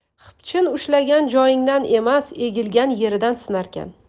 xipchin ushlagan joyingdan emas egilgan yeridan sinarkan